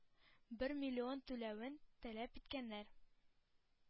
Бер миллион түләвен таләп иткәннәр.